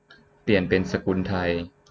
เปลี่ยนเป็นสกุลไทย